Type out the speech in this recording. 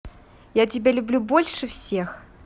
я тебя люблю больше всех